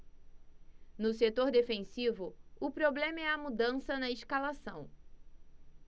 no setor defensivo o problema é a mudança na escalação